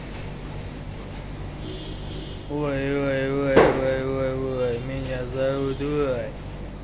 ой ой ой ой ой ой ой меня зовут ой